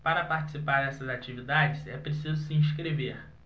para participar dessas atividades é preciso se inscrever